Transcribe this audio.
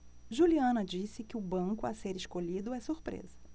juliana disse que o banco a ser escolhido é surpresa